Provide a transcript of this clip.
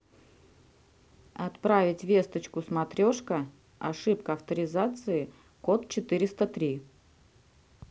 отправить весточку смотрешка ошибка авторизации код четыреста три